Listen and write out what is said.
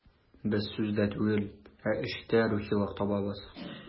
Без сүздә түгел, ә эштә рухилык табабыз.